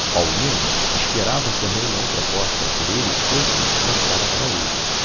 paulino esperava que a reunião proposta por ele fosse marcada para hoje